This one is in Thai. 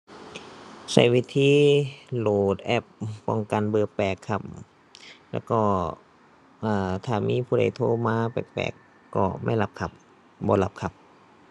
ใช้วิธีโหลดแอป อือ ป้องกันเบอร์แปลกครับ แล้วก็ อ่า ถ้ามีผู้ใดโทรมาแปลกแปลกก็ไม่รับครับ บ่รับครับ